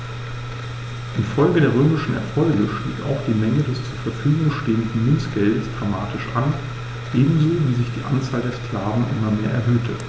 Infolge der römischen Erfolge stieg auch die Menge des zur Verfügung stehenden Münzgeldes dramatisch an, ebenso wie sich die Anzahl der Sklaven immer mehr erhöhte.